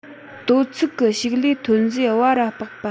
དོ ཚིགས གི ཕྱུགས ལས ཐོན རྫས བ ར ལྤགས པ ཀོ བ རྩིད པ ཚ རུ མར ཆུ ར གི འགན ཁུར ཨེ གྲུབ ཐལ